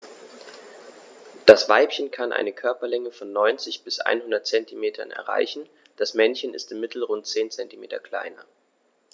Das Weibchen kann eine Körperlänge von 90-100 cm erreichen; das Männchen ist im Mittel rund 10 cm kleiner.